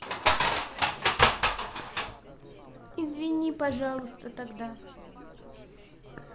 извини пожалуйста тогда